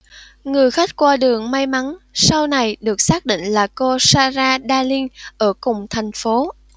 người khách qua đường may mắn sau này được xác định là cô sarah darling ở cùng thành phố